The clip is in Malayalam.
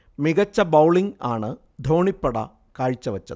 മികച്ച ബൌളിംഗ് ആണ് ധോണിപ്പട കാഴ്ച വെച്ചത്